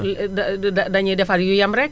da da dañuy defar lu yem rekk